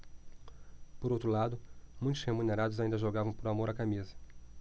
por outro lado muitos remunerados ainda jogavam por amor à camisa